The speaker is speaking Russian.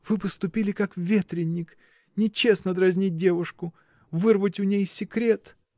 Вы поступили, как ветреник, — нечестно дразнить девушку, вырвать у ней секрет.